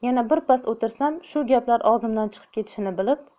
yana birpas o'tirsam shu gaplar og'zimdan chiqib ketishini bilib